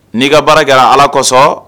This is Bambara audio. N'i ka baara kɛra ala kosɔn